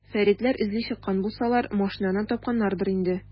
Фәритләр эзли чыккан булсалар, машинаны тапканнардыр инде.